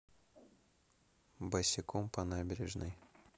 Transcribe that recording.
босиком по набережной